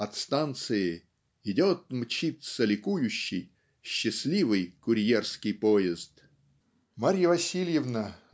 со станции идет-мчится ликующий, счастливый курьерский поезд. Марья Васильевна